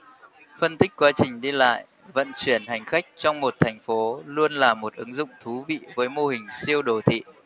phân tích quá trình đi lại vận chuyển hành khách trong một thành phố luôn là một ứng dụng thú vị với mô hình siêu đồ thị